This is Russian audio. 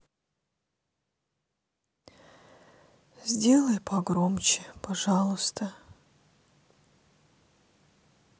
сделай погромче пожалуйста